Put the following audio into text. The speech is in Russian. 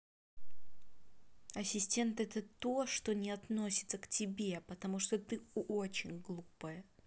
ассистент это то что не относится к тебе потому что ты очень глупая